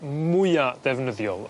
mwya ddefnyddiol